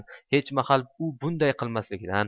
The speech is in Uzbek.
hechmahal u bunday qilmasligidan